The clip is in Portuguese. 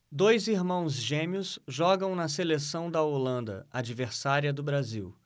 dois irmãos gêmeos jogam na seleção da holanda adversária do brasil